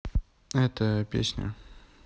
эта песня